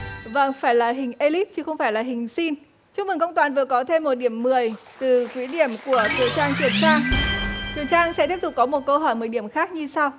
vâng phải là hình e líp chứ không phải là hình xin chúc mừng công toàn vừa có thêm một điểm mười từ quỹ điểm của kiều trang chuyển sang kiều trang sẽ tiếp tục có một câu hỏi mười điểm khác như sau